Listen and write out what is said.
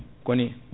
ko ni